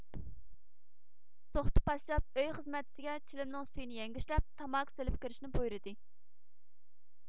توختى پاششاپ ئۆي خىزمەتچىسىگە چىلىمنىڭ سۈيىنى يەڭگۈشلەپ تاماكا سېلىپ كىرىشىنى بۇيرىدى